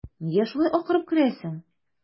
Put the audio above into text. Нигә шулай акырып керәсең?